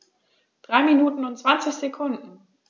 3 Minuten und 20 Sekunden